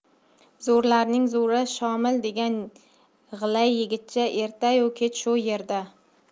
zo'rlarning zo'ri shomil degan g'ilay yigitcha erta yu kech shu yerda